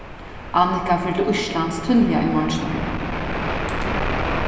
annika fer til íslands tíðliga í morgin árini